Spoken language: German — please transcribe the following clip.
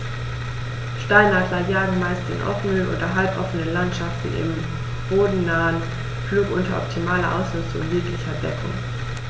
Steinadler jagen meist in offenen oder halboffenen Landschaften im bodennahen Flug unter optimaler Ausnutzung jeglicher Deckung.